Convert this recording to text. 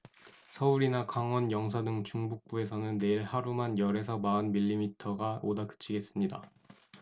서울이나 강원 영서 등 중북부에는 내일 하루만 열 에서 마흔 밀리미터가 오다 그치겠습니다